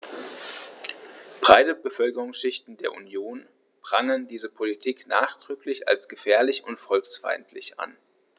Breite Bevölkerungsschichten der Union prangern diese Politik nachdrücklich als gefährlich und volksfeindlich an.